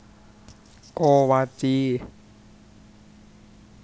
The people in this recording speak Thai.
โกวาจี